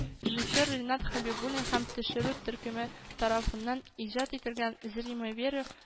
Режиссер Ренат Хәбибуллин һәм төшерү төркеме тарафыннан иҗат ителгән “Зримая вера”